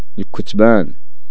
الكتبان